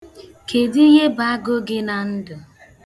Kedụ ihe bụ agụụ gị na ndụ?